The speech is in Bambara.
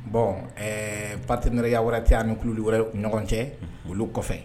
Bon ɛɛ partenariat wɛrɛ tɛ an ni kuli wɛrɛ ni ɲɔgɔn cɛ olu kɔfɛ.